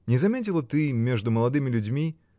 Не заметила ты между молодыми людьми.